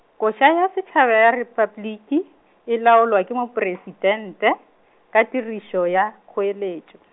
koša ya setšhaba ya Repabliki, e laolwa ke mopresitente, ka tirišo ya, kgoeletšo.